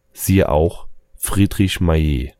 Siehe auch: Friedrich Mallet